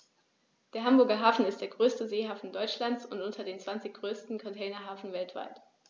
Der Hamburger Hafen ist der größte Seehafen Deutschlands und unter den zwanzig größten Containerhäfen weltweit.